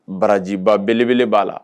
Barajiba belebele b'a la